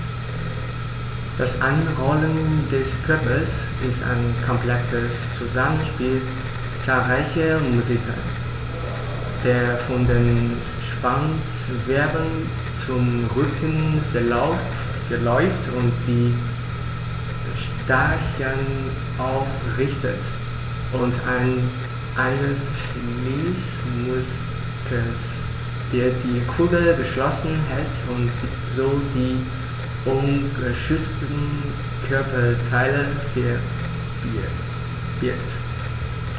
Das Einrollen des Körpers ist ein komplexes Zusammenspiel zahlreicher Muskeln, der von den Schwanzwirbeln zum Rücken verläuft und die Stacheln aufrichtet, und eines Schließmuskels, der die Kugel geschlossen hält und so die ungeschützten Körperteile verbirgt.